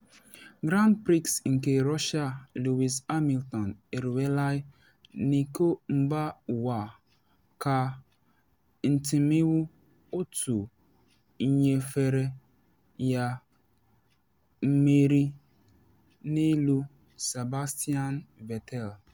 Grand Prix nke Russia: Lewis Hamilton eruwelaị n’iko mba ụwa ka ntimiwu otu nyefere ya mmeri n’elu Sebastian Vettel